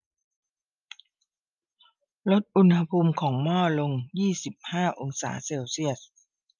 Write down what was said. ลดอุณหภูมิของหม้อลงยี่สิบห้าองศาเซลเซียส